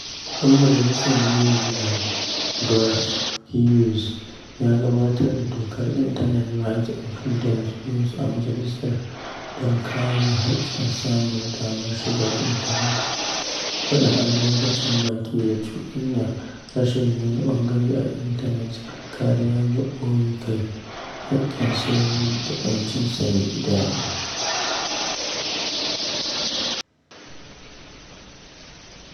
Dan majalisar New Zealand, Garth Hughes, ya gabatar da dokar Internet Rights and Freedoms Bill a majalisa, don kare haƙƙin samun damar shiga intanet, faɗin albarkacin baki da cuɗanya, rashin nuna ɓangare a intanet, kariya ga ɓoye kai, haƙƙin sirri da 'yancin sanya idanu.